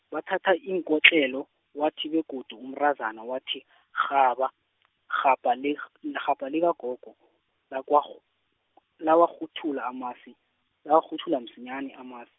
wathatha iinkotlelo, wathi begodu umntazana wathi , rhaba , irhabha li- rh- n- irhabha likagogo , lakwa rh- lawakghuthula amasi, lawakghuthula msinyani amasi.